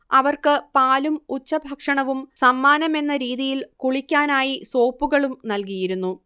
അവർക്ക് പാലും ഉച്ചഭക്ഷണവും സമ്മാനമെന്ന രീതിയിൽ കുളിക്കാനായി സോപ്പുകളും നൽകിയിരുന്നു